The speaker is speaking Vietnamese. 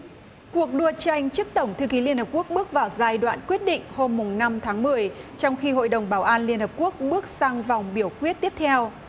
cuộc đua tranh chức tổng thư ký liên hợp quốc bước vào giai đoạn quyết định hôm mùng năm tháng mười trong khi hội đồng bảo an liên hiệp quốc bước sang vòng biểu quyết tiếp theo